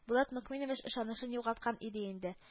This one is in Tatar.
Булат Мөкминович ышанычын югалткан иде инде